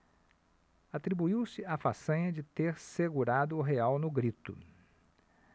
atribuiu-se a façanha de ter segurado o real no grito